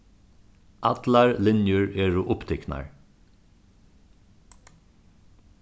allar linjur eru upptiknar